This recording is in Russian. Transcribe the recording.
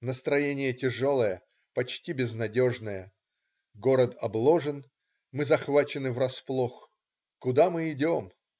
Настроение тяжелое, почти безнадежное: город обложен, мы захвачены врасплох, куда мы идем?